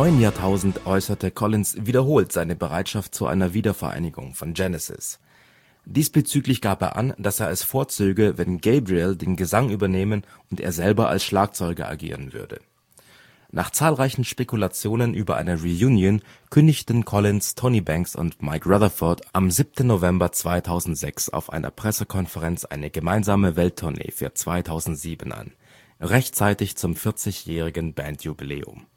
Jahrtausend äußerte Collins wiederholt seine Bereitschaft zu einer Wiedervereinigung von Genesis. Diesbezüglich gab er an, dass er es vorzöge, wenn Gabriel den Gesang übernehmen und er selber als Schlagzeuger agieren würde. Nach zahlreichen Spekulationen über eine Reunion kündigten Collins, Tony Banks und Mike Rutherford am 7. November 2006 auf einer Pressekonferenz eine gemeinsame Welt-Tournee für 2007 an – rechtzeitig zum vierzigjährigen Bandjubiläum